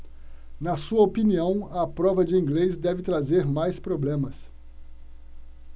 na sua opinião a prova de inglês deve trazer mais problemas